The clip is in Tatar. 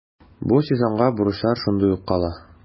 Бу сезонга бурычлар шундый ук кала.